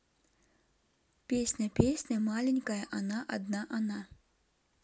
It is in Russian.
песня песня маленькая она одна она